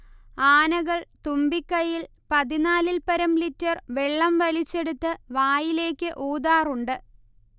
ആനകൾ തുമ്പിക്കൈയിൽ പതിനാലിൽപ്പരം ലിറ്റർ വെള്ളം വലിച്ചെടുത്ത് വായിലേക്ക് ഊതാറുണ്ട്